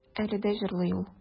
Әле дә җырлый ул.